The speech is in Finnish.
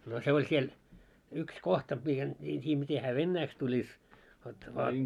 no se oli siellä yksi kohta miten minä en tiedä miten hän venäjäksi tulisi vot vain